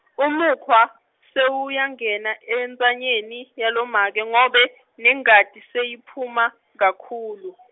Umukhwa, sewuyangena entsanyeni yalomake ngobe nengati, seyiphuma, kakhulu .